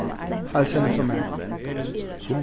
heilsa henni frá mær